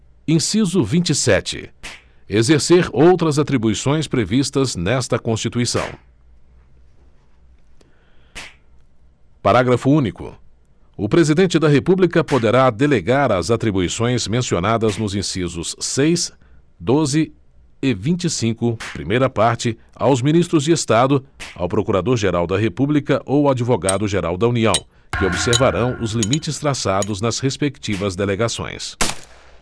inciso vinte e sete exercer outras atribuições previstas nesta constituição parágrafo único o presidente da república poderá delegar as atribuições mencionadas nos incisos seis doze e vinte e cinco primeira parte aos ministros de estado ao procurador geral da república ou advogado geral da união que observarão os limites traçados nas respectivas delegações